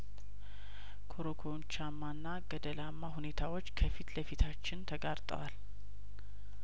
ኮረኮንቻማና ገደላማ ሁኔታዎች ከፊት ለፊታችን ተጋርጠዋል